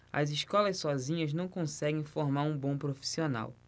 as escolas sozinhas não conseguem formar um bom profissional